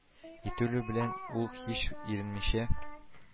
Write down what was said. Ителү белән ул һич иренмичә